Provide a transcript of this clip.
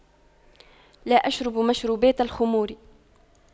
لا أشرب مشروبات الخمور